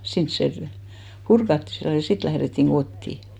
sinne se - purettiin silloin ja sitten lähdettiin kotiin